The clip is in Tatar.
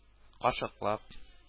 Кашыклап